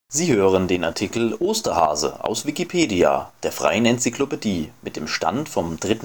Sie hören den Artikel Osterhase, aus Wikipedia, der freien Enzyklopädie. Mit dem Stand vom Der